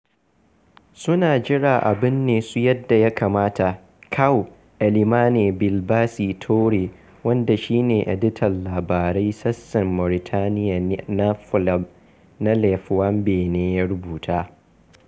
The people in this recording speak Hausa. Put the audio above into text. suna jiran a binne su yadda ya kamata" Kaaw Elimane Bilbassi Toure wanda shi ne editan labarai sashen Labaran Mauritaniya na Le Flambeau, ya rubuta.